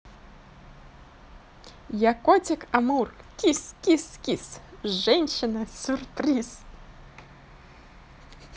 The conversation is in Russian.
я котик амур кис кис кис женщина сюрприз